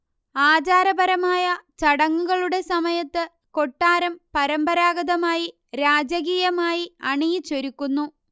ആചാരപരമായ ചടങ്ങുകളുടെ സമയത്ത് കൊട്ടാരം പരമ്പരാഗതമായി രാജകീയമായി അണിയിച്ചൊരുക്കുന്നു